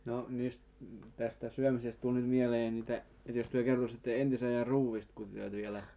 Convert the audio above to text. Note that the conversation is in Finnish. no niistä tästä syömisestä tuli nyt mieleen niitä että jos te kertoisitte entisajan ruuista kun te siellä